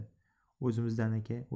o'zimizdan aka